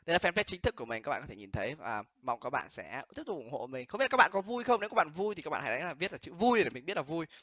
đây là phen pết chính thức của mình các bạn có thể nhìn thấy và mong các bạn sẽ tiếp tục ủng hộ mình không biết là các bạn có vui không nếu các bạn vui thì các bạn hãy đánh là viết là chữ vui để mình biết là vui